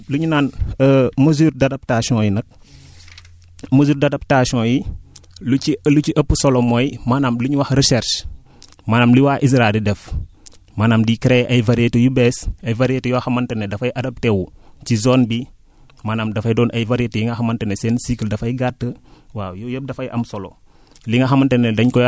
par rapport ak maanaam li ñu naan mesure d' adaptation yi nag mesure d' adaptation yi lu ci lu ci ëpp solo mooy maanaam li ñuy wax recherche maanaam li waa ISRA di def maanaam di créer ay variétés yu bees ay variétés yoo xamante ne dafay adapté wu ci zone bi maanaam dafay doon ay variétés yi nga xamante ne seen cycle dafay gàtt waaw yooyu yépp dafay am solo